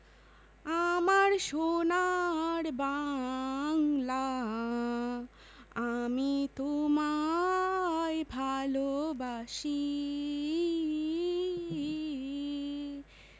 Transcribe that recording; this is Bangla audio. আমার সোনার বাংলা আমি তোমায় ভালোবাসি